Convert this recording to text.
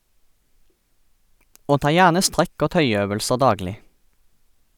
Og ta gjerne strekk- og tøyøvelser daglig.